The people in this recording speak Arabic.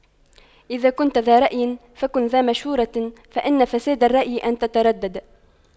إذا كنتَ ذا رأيٍ فكن ذا مشورة فإن فساد الرأي أن تترددا